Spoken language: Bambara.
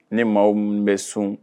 Ni maaw minnu bɛ su